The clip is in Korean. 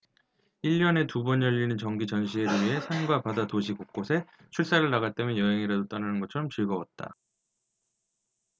일 년에 두 번 열리는 정기 전시회를 위해 산과 바다 도시 곳곳에 출사를 나갈 때면 여행이라도 떠나는 것처럼 즐거웠다